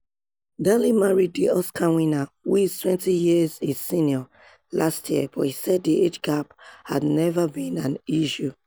Daley married the Oscar winner, who is 20 years his senior, last year but he said the age gap had never been an issue.